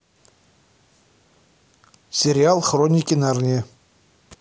сериал хроники нарнии